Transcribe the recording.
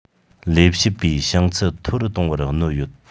ལས བྱེད པའི བྱང ཚད མཐོ རུ གཏོང བར གནོད ཡོད